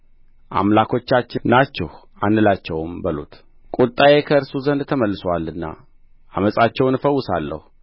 አምላኮቻችን ናችሁ አንላቸውም በሉት ቍጣዬ ከእርሱ ዘንድ ተመልሶአልና ዓመፃቸውን እፈውሳለሁ